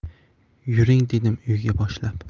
yuring dedim uyga boshlab